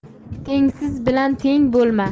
tengsiz bilan teng bo'lma